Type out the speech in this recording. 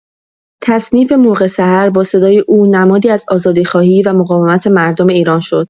تصنیف «مرغ سحر» با صدای او نمادی از آزادی‌خواهی و مقاومت مردم ایران شد.